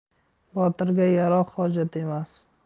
botirga yaroq hojat emas